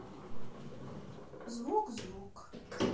звук звук